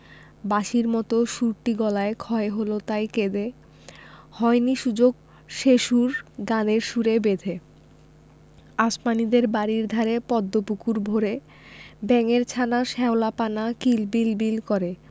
বাঁশির মতো সুরটি গলায় ক্ষয় হল তাই কেঁদে হয়নি সুযোগ লয় সে সুর গানের সুরে বেঁধে আসমানীদের বাড়ির ধারে পদ্ম পুকুর ভরে ব্যাঙের ছানা শ্যাওলা পানা কিল বিল বিল করে